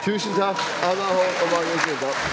tusen takk Anna Horn og Magnus Rindal.